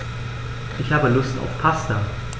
Ich habe Lust auf Pasta.